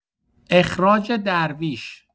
اخراج درویش